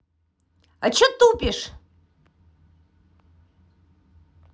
а че тупишь